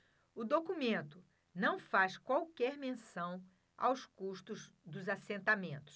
o documento não faz qualquer menção aos custos dos assentamentos